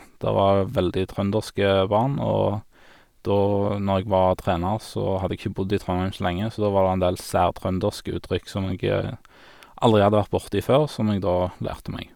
Der var veldig trønderske barn, og da, når jeg var trener, så hadde jeg ikke bodd i Trondheim så lenge, så da var der en der særtrønderske uttrykk som jeg aldri hadde vært borti før, som jeg da lærte meg.